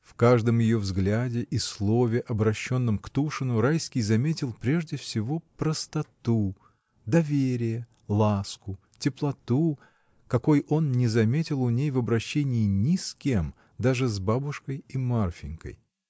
В каждом ее взгляде и слове, обращенном к Тушину, Райский заметил прежде всего простоту, доверие, ласку, теплоту, какой он не заметил у ней в обращении ни с кем, даже с бабушкой и Марфинькой.